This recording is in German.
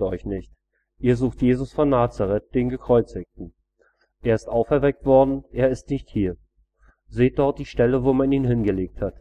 euch nicht! Ihr sucht Jesus von Nazaret, den Gekreuzigten. Er ist auferweckt worden, er ist nicht hier. Seht dort die Stelle, wo man ihn hingelegt hat.